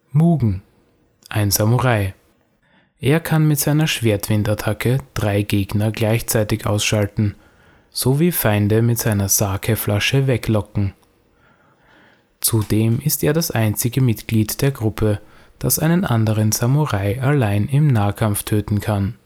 Mugen: Ein Samurai. Er kann mit seiner Schwertwind-Attacke drei Gegner gleichzeitig ausschalten sowie Feinde mit seiner Sake-Flasche weglocken. Zudem ist er das einzige Mitglied der Gruppe, das einen anderen Samurai allein im Nahkampf töten kann